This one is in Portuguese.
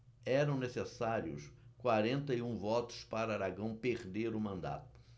eram necessários quarenta e um votos para aragão perder o mandato